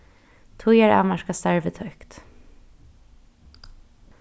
tíðaravmarkað starv er tøkt